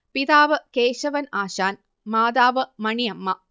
പിതാവ് കേശവൻ ആശാൻ മാതാവ് മണി അമ്മ